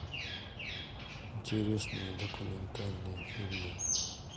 интересные документальные фильмы